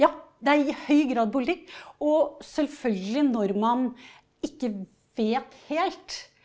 ja, det er i høy grad politikk og selvfølgelig når man ikke vet helt.